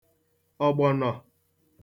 ọ̀gbọ̀nọ̀